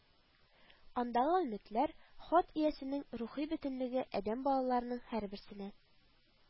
Андагы өметләр, хат иясенең рухи бөтенлеге адәм балаларының һәрберсенә